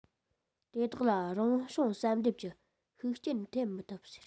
དེ དག ལ རང བྱུང བསལ འདེམས ཀྱི ཤུགས རྐྱེན ཐེབས མི ཐུབ ཟེར